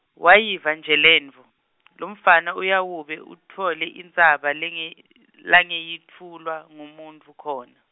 Wayiva nje lentfo, lomfana uyawube utfole intsaba lenge- langeyutfulwa ngumuntfu khona.